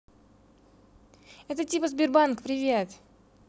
это типа сбербанк привет